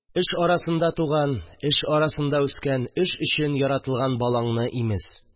Эш арасында туган, эш арасында үскән, эш өчен яратылган балаңны имез